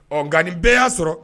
Ɔ nka nin bɛɛ y'a sɔrɔ